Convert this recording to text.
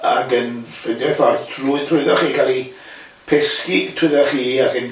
ag yn ffeindio i ffordd trw- drwydda chi ca'l i pesgi trwydda chi ag yn